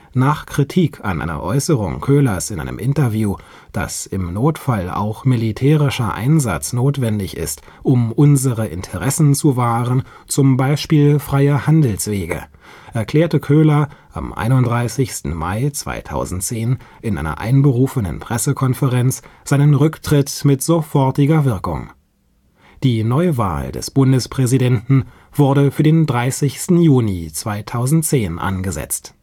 Nach Kritik an einer Äußerung Köhlers in einem Interview, dass „ im Notfall auch militärischer Einsatz notwendig ist, um unsere Interessen zu wahren, zum Beispiel freie Handelswege “, erklärte Köhler, am 31. Mai 2010 in einer einberufenen Pressekonferenz seinen Rücktritt mit sofortiger Wirkung. Die Neuwahl des Bundespräsidenten wurde für den 30. Juni 2010 angesetzt